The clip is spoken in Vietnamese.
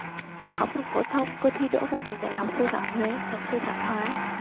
học xong phổ thông cô thi đỗ vào trường đại học sư phạm huế ngành sư phạm hóa